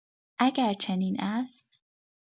اگر چنین است